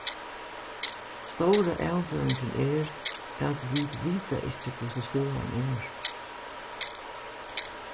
stóra avbjóðingin er at vit vita ikki hvussu støðan er